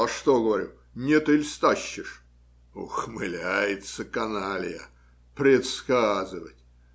- "А что, говорю, не ты ли стащишь?" Ухмыляется каналья! Предсказывать!